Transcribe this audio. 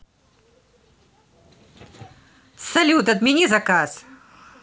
салют отмени заказ